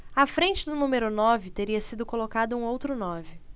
à frente do número nove teria sido colocado um outro nove